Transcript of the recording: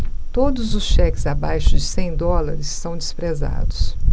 todos os cheques abaixo de cem dólares são desprezados